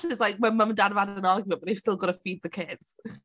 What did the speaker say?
And it's like when mum and dad have had an argument but they've still got to feed the kids.